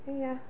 Ia.